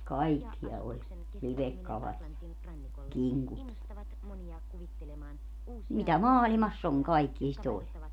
kaikkia oli livekalat ja kinkut ja mitä maailmassa on kaikkia sitä oli